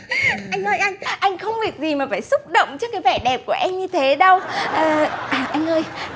anh ơi anh anh không việc gì mà phải xúc động trước cái vẻ đẹp của em như thế đâu ờ à anh ơi